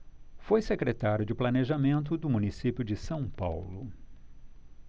foi secretário de planejamento do município de são paulo